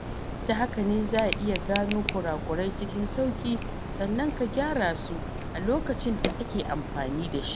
Ta haka ne za ka iya gano kurakurai cikin sauƙi, sannan ka gyara su a lokacin da ake amfani da shi.